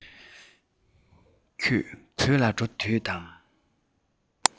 ཁྱོད བོད ལ འགྲོ འདོད དམ